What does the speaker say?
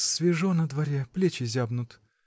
— Свежо на дворе, плечи зябнут!